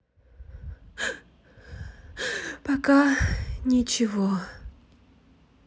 пока ничего